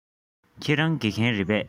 ཁྱེད རང དགེ རྒན རེད པས